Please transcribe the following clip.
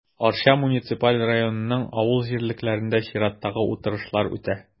Арча муниципаль районының авыл җирлекләрендә чираттагы утырышлар үтә.